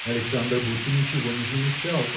Александр будто ничего не замечает.